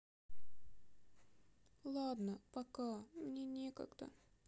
ладно пока мне некогда